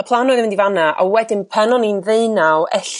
y plan o'dd i fynd i fan 'na a wedyn pan oni'n ddeunaw ella